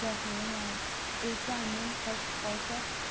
zotli mol erta indin qochib qolsa